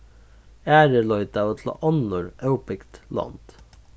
aðrir leitaðu til onnur óbygd lond